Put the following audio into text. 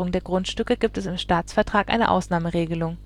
der Grundstücke gibt es im Staatsvertrag eine Ausnahmeregelung